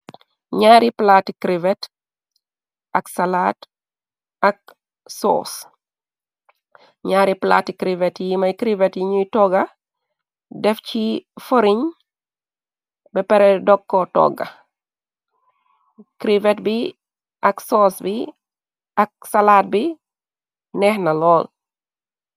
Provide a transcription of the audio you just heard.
Nyaari plaati crivet ak salaat ak soos nyaari palaati crivet yi moy crivet yiñuy togga def ci foriñ bapare dokko togga krivet bi ak soos bi ak salaat bi neexna lool.